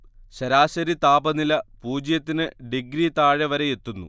ശരാശരി താപനില പൂജ്യത്തിന് ഡിഗ്രി താഴെ വരെയെത്തുന്നു